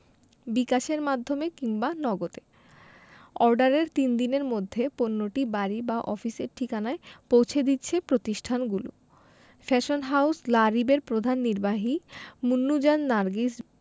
বিকাশের মাধ্যমে কিংবা নগদে অর্ডারের তিন দিনের মধ্যে পণ্যটি বাড়ি বা অফিসের ঠিকানায় পৌঁছে দিচ্ছে প্রতিষ্ঠানগুলো ফ্যাশন হাউস লা রিবের প্রধান নির্বাহী মুন্নুজান নার্গিস